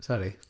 Sori.